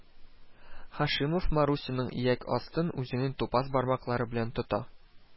Һашимов Марусяның ияк астын үзенең тупас бармаклары белән тота